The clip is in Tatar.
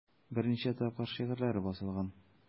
Берничә тапкыр шигырьләре басылган.